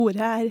Ordet er...